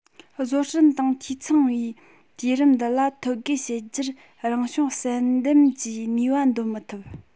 བཟོ སྐྲུན སྟེང འཐུས ཚང བའི དུས རིམ འདི ལ ཐོད བརྒལ བྱེད རྒྱུར རང བྱུང བསལ འདེམས ཀྱིས ནུས པ འདོན མི ཐུབ